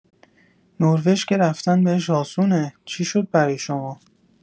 نروژ که رفتن بهش آسونه! چی شد برای شما؟